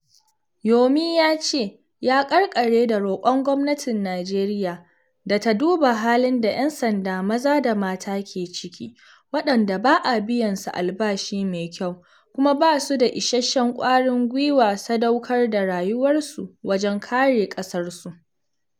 Yomi yace: ya ƙarƙare da roƙon gwamnatin Najeriya da ta duba halin da ‘yan sanda maza da mata ke ciki, waɗanda ba a biyan su albashi mai kyau kuma ba su da isasshen ƙwarin gwiwa sadaukar da rayuwarsu wajen kare ƙasarsu.